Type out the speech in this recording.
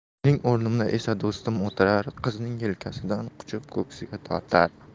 mening o'rnimda esa do'stim o'tirar qizning yelkasidan quchib ko'ksiga tortar